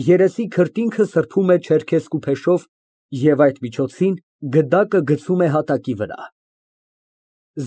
Երեսի քրտինքը սրբում է չերքեզկու փեշով և այդ միջոցին գդակը գցում է հատակի վրա)։